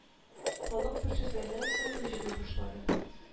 Халык бу сүзләрдән соң гөжли бушлады